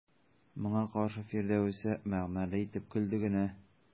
Моңа каршы Фирдәүсә мәгънәле итеп көлде генә.